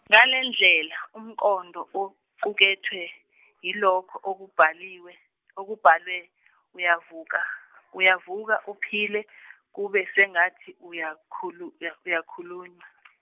Ngalendlela umqondo u- oqukethwe , yilokho okubhaliwe okubhalwe- uyavuka, uyavuka uphile kube sengathi uyakhulu- uya- uyakhulunywa .